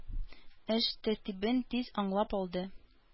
Эш тәртибен тиз аңлап алды.